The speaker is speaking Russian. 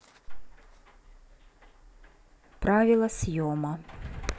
правила съема